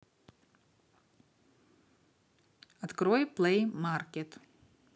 открой плэй маркет